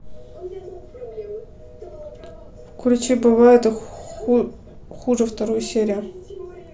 включи бывает и хуже вторую серию